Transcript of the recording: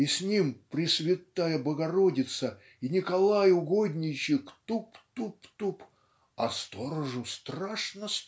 и с Ним Пресвятая Богородица и Николай угодничек туп, туп, туп. А сторожу страшно